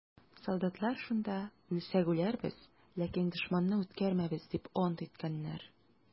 Солдатлар шунда: «Үлсәк үләрбез, ләкин дошманны үткәрмәбез!» - дип ант иткәннәр.